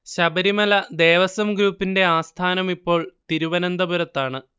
ശബരിമല ദേവസ്വം ഗ്രൂപ്പിന്റെ ആസ്ഥാനം ഇപ്പോൾ തിരുവനന്തപുരത്താണ്